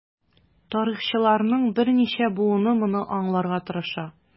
Тарихчыларның берничә буыны моны аңларга тырыша.